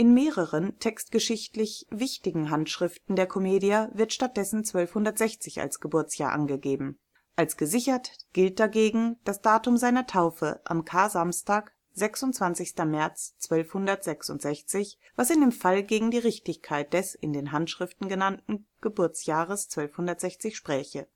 mehreren textgeschichtlich wichtigen Handschriften der Commedia wird stattdessen 1260 als Geburtsjahr angegeben. Als gesichert gilt dagegen das Datum seiner Taufe am Karsamstag (26. März 1266), was in dem Fall gegen die Richtigkeit des in den Handschriften genannten Geburtsjahres 1260 spräche